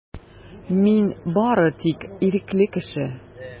Мин бары тик ирекле кеше.